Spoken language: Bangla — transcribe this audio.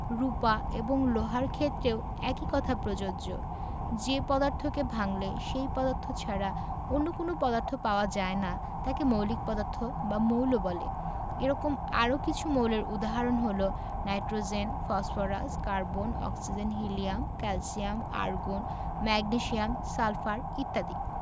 রুপা এবং লোহার ক্ষেত্রেও একই কথা প্রযোজ্য যে পদার্থকে ভাঙলে সেই পদার্থ ছাড়া অন্য কোনো পদার্থ পাওয়া যায় না তাকে মৌলিক পদার্থ বা মৌল বলে এরকম আরও কিছু মৌলের উদাহরণ হলো nitrogen phosphorus carbon oxygen helium calcium argon magnesium sulphur ইত্যাদি